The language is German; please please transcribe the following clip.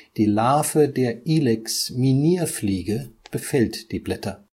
Die Larve der Ilex-Minierfliege (Phytomyza ilicis) befällt die Blätter